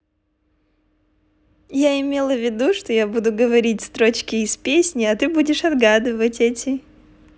я имела ввиду что я буду говорить the строчки из песни а ты будешь отгадывать эти